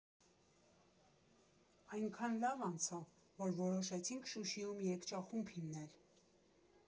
Այնքան լավ անցավ, որ որոշեցինք Շուշիում երգչախումբ հիմնել։